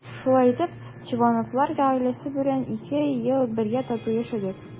Шулай итеп Чувановлар гаиләсе белән ике ел бергә тату яшәдек.